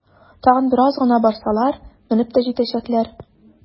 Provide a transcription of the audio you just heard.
Тагын бераз гына барсалар, менеп тә җитәчәкләр!